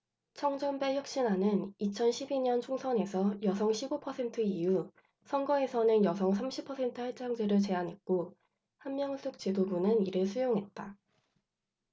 천정배 혁신안은 이천 십 이 년 총선에선 여성 십 오 퍼센트 이후 선거에서는 여성 삼십 퍼센트 할당제를 제안했고 한명숙 지도부는 이를 수용했다